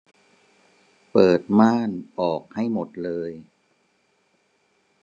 เปิดม่านออกให้หมดเลย